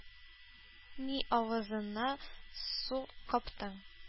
Ник авызыңа су каптың?